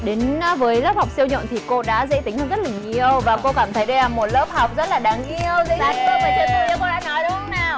đến với lớp học siêu nhộn thì cô đã dễ tính hơn rất là nhiều và cô cảm thấy đây là một lớp học rất là đáng yêu dễ thương và chúng ta như cô đã nói đúng không nào